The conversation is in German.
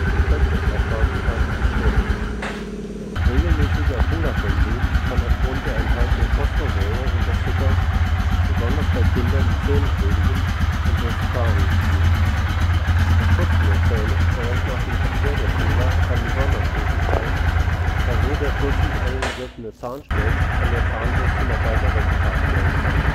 und Fettsucht erkranken kann, ist strittig. Regelmäßiger Cola-Konsum kann aufgrund der enthaltenen Phosphorsäure und des Zuckers, besonders bei Kindern, die Zähne schädigen und so zu Karies führen. Das Putzen der Zähne direkt nach dem Verzehr der Cola kann besonders schädlich sein, da so der kürzlich angegriffene Zahnschmelz von der Zahnbürste noch weiter weggeschabt werden kann